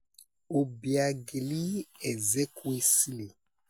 Obiageli Ezekwesili